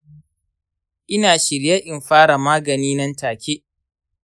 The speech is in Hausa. ina shirye in fara magani nan take.